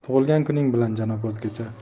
tug'ilgan kuning bilan janob o'zgacha